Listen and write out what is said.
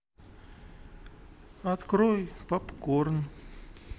открой попкорн